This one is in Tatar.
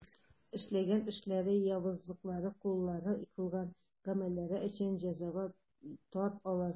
Эшләгән эшләре, явызлыклары, куллары кылган гамәлләре өчен җәзага тарт аларны.